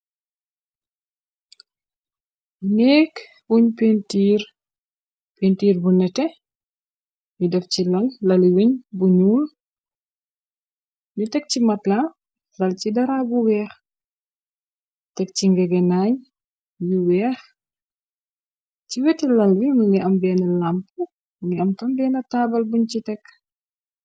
Nekk buñ ntiir pintiir bu nete, yu def ci lali wiñ bu ñuul, ni tek ci matla lal ci dara bu weex, tek ci ngege naañ yu weex, ci weti lali wi mu ngi am benn lamp, ngi am tam been taabal buñ ci tekk.